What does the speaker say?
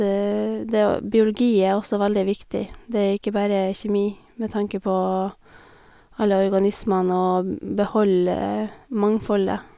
det Og biologi er også veldig viktig, det er ikke bare kjemi, med tanke på alle organismene og beholde mangfoldet.